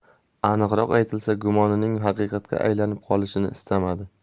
aniqroq aytilsa gumonining haqiqatga aylanib qolishini istamadi